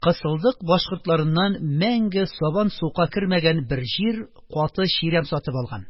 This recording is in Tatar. Кысылдык башкортларыннан мәңге сабан-сука кермәгән бер җир, каты чирәм сатып алган.